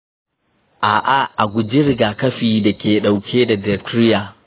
a’a, a guji rigakafin da ke dauke da diptheria.